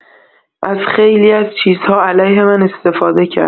از خیلی از چیزها علیه من استفاده کرد.